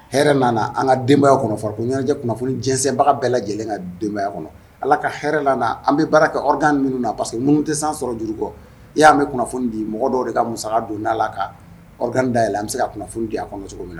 Hɛrɛ nana an ka denbaya kɔnɔ , farikoloɲɛnajɛ kunnafoni diɲɛsɛnbaga bɛɛ lajɛlen ka denbayaya kɔnɔ , allah ka hɛrɛ nana an bɛ baara kɛ organes minnu na parce que nkunu tɛ san sɔrɔ juru kɔ, n'i y'a mɛn kunnafoni di, mɔgɔ dɔw de ka musaga donna a la an bɛ se ka kunnafoni di a kɔnɔ cogo min na.